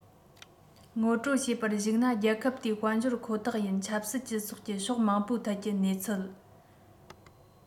ངོ སྤྲོད བྱས པར གཞིགས ན རྒྱལ ཁབ དེའི དཔལ འབྱོར ཁོ ཐག ཡིན ཆབ སྲིད སྤྱི ཚོགས ཀྱི ཕྱོགས མང པོའི ཐད ཀྱི གནས ཚུལ